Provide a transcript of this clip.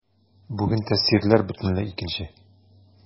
Бүген тәэсирләр бөтенләй икенче.